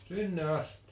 sinne asti